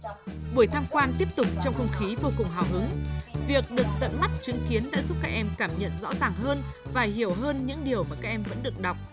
buổi tham quan tiếp tục trong không khí vô cùng hào hứng việc được tận mắt chứng kiến đã giúp các em cảm nhận rõ ràng hơn và hiểu hơn những điều mà các em vẫn được đọc